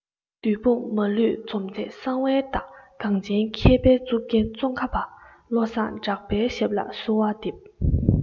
བདུད དཔུང མ ལུས འཇོམས མཛད གསང བའི བདག གངས ཅན མཁས པའི གཙུག རྒྱན ཙོང ཁ བ བློ བཟང གྲགས པའི ཞབས ལ གསོལ བ འདེབས